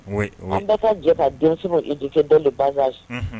Oui oui, an ka jɛ ka denmisɛnw éduquer dès le bas âge unhun